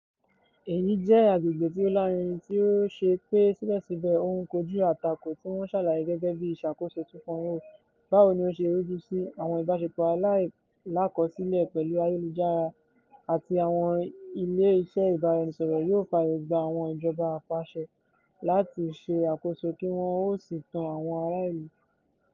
Èyí jẹ́ agbègbè tí ó lárinrin tí ó ṣe pé síbẹ̀síbẹ̀ ó ń kojú àtakò, tí wọ́n ṣàlàyé gẹ́gẹ́ bíi "Ìṣàkóso 2.0": "...báwo ni ó se rújú sí, àwọn ìbáṣepọ̀ aláìlákọsílẹ̀ pẹ̀lú ayélujára àti àwọn ilé iṣẹ́ ìbáraẹnisọ̀rọ̀ yóò fàyè gba àwọn ìjọba apàṣẹ láti ṣe àkóso kí wọ́n ó sì tan àwọn ará ìlú.